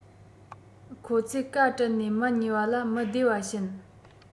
ཁོ ཚོས གཱ དྲད ནས སྨན ཉོས པ ལ མི བདེ བ བྱིན